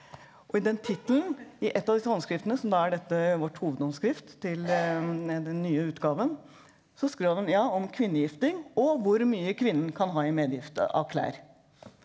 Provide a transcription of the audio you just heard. og i den tittelen i et av disse håndskriftene som da er dette vårt hovedhåndskrift til den nye utgaven så skrev de ja om kvinnegifting og hvor mye kvinnen kan ha i medgift av av klær.